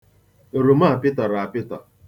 Oroma a pịtọrọ apịtọ.